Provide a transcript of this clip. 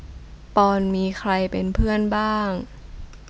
ปอนด์มีใครเป็นเพื่อนบ้าง